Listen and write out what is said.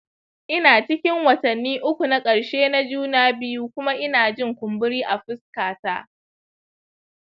ina cikin watanni uku na karshe na juna biyu kuma inajin kumburi a fuska ta